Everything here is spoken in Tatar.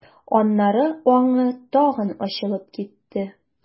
Аннары аңы тагы ачылып китте.